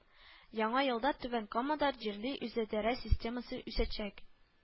Яңа елда Түбән Камада җирле үзидарә системасы үсәчәк